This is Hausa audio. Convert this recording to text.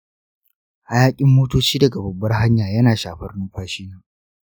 hayakin motoci daga babbar hanya yana shafar numfashina.